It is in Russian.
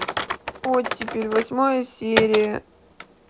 оттепель восьмая серия